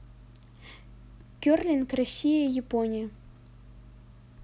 керлинг россия япония